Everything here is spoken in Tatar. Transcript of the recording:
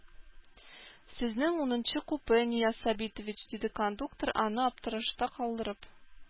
Сезнең унынчы купе, Нияз Сабитович, диде кондуктор, аны аптырашта калдырып.